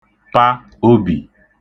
pa obi